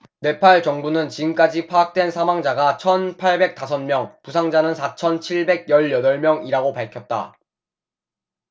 네팔 정부는 지금까지 파악된 사망자가 천 팔백 다섯 명 부상자는 사천 칠백 열 여덟 명이라고 밝혔다